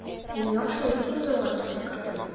Мин яхшы ук киң залга килеп кердем.